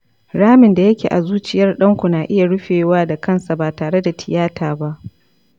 ramin da yake a zuciyar ɗan ku na iya rufewa da kansa ba tare da tiyata ba.